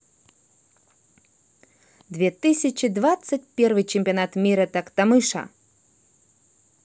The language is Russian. две тысячи двадцать первый чемпионат мира токтамыша